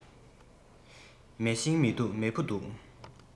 མེ ཤིང མི འདུག མེ ཕུ འདུག